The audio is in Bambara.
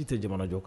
I te jamana jɔ kan.